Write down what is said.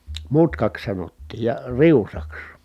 mutkaksi sanottiin ja riusaksi